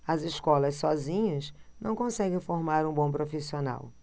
as escolas sozinhas não conseguem formar um bom profissional